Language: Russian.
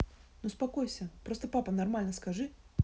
ну успокойся просто папа нормально скажи